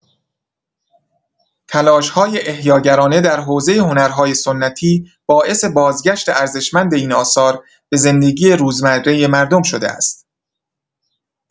تلاش‌های احیاگرانه در حوزه هنرهای سنتی باعث بازگشت ارزشمند این آثار به زندگی روزمره مردم شده است.